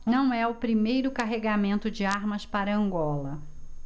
não é o primeiro carregamento de armas para angola